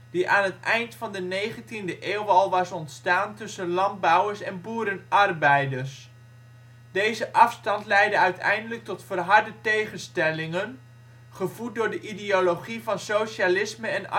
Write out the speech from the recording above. aan het eind van de negentiende eeuw al was ontstaan tussen landbouwers en boerenarbeiders. Deze afstand leidde uiteindelijk tot verharde tegenstellingen, gevoed door de ideologie van socialisme en